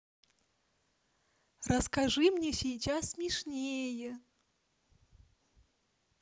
расскажи мне сейчас смешнее